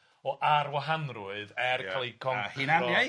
o arwahanrwydd er ca'l eu concro... A hunaniaeth...